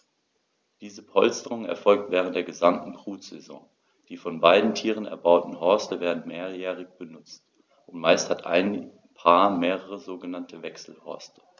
Diese Polsterung erfolgt während der gesamten Brutsaison. Die von beiden Tieren erbauten Horste werden mehrjährig benutzt, und meist hat ein Paar mehrere sogenannte Wechselhorste.